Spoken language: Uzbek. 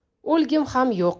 o'lgim ham yo'q